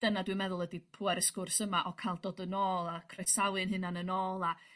dyna dw i'n meddwl ydi pŵer y sgwrs yma o ca'l dod yn ôl a croesawu'n hunan yn ôl a